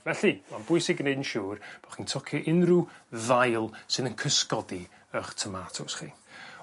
Felly ma'n bwysig gneud yn siŵr bo' chi'n tocio unryw ddail sydd yn cysgodi 'ych tymatos chi.